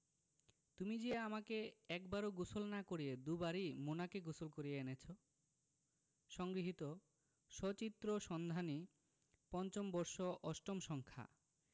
তুমি যে আমাকে একবারও গোসল না করিয়ে দুবারই মোনাকে গোসল করিয়ে এনেছো সংগৃহীত সচিত্র সন্ধানী৫ম বর্ষ ৮ম সংখ্যা